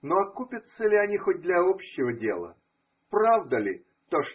но окупятся ли они хоть для общего дела? Правда ли то.